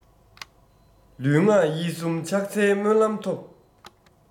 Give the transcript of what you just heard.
ལུས ངག ཡིད གསུམ ཕྱག འཚལ སྨོན ལམ ཐོབ